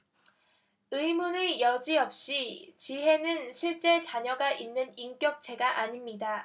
의문의 여지없이 지혜는 실제 자녀가 있는 인격체가 아닙니다